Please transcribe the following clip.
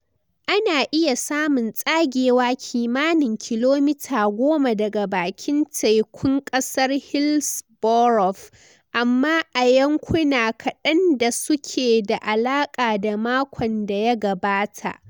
Ana iya samun tsagewa kimanin kilomita 10 daga bakin takun kasar Hillsborough, amma a yankuna kadan da suke da alaka da makon da ya gabata